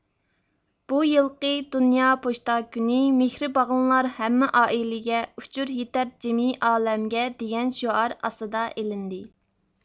بۇ يىلقى دۇنيا پوچتا كۈنى مېھرى باغلىنار ھەممە ئائىلىگە ئۇچۇر يېتەر جىمى ئالەمگە دېگەن شوئار ئاستىدا ئېلىندى